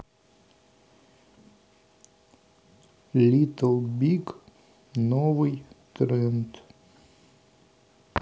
литтл биг новый тренд